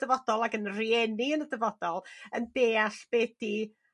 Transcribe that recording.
dyfodol ac yn rieni yn dyfodol yn deall be 'di